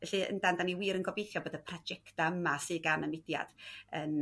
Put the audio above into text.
Felly yndan 'da ni wir yn gobeithio bod y projecta' yma sydd gan y mudiad yn